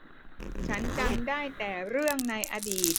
ฉันจำได้แต่เรื่องในอดีต